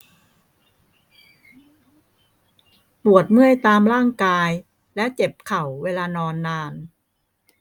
ปวดเมื่อยตามร่างกายและเจ็บเข่าเวลานอนนาน